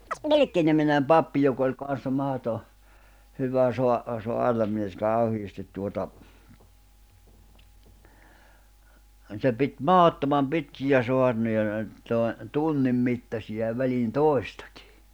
Vilkki-niminen pappi joka oli kanssa mahdoton hyvä - saarnamies kauheasti tuota se piti mahdottoman pitkiä saarnoja ne oli - tunnin mittaisia ja väliin toistakin